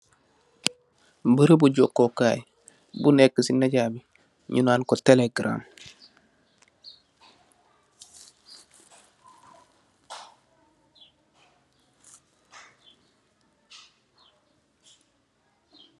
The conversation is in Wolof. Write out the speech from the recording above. Beaureaubu jokooh kaay, bu nek si media bi, nyu naan ko telegram.